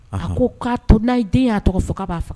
A ko k'a to n'a ye den y'a tɔgɔ fɔ k' b'a faga